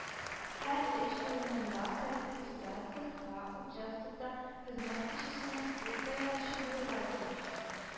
Һәр эш урынында, коллективта, цехта, участокта хезмәт кешесенең төп таянычы булырга тиеш